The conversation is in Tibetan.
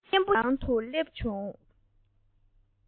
ཆེན པོ ཞིག གི ནང དུ སླེབས སོང